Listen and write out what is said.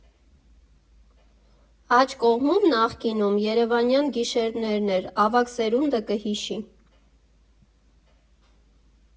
Աջ կողմում նախկինում «Երևանյան գիշերներն» էր, ավագ սերունդը կհիշի։